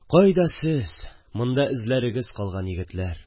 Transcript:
Кайда сез, монда эзләрегез калган егетләр